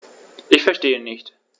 Ich verstehe nicht.